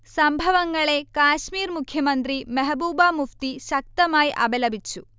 സംഭവങ്ങളെ കശ്മീർ മുഖ്യമന്ത്രി മെഹ്ബൂബ മുഫ്തി ശക്തമായി അപലപിച്ചു